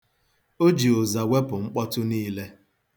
O ji ụza wepụ mkpọtụ niile.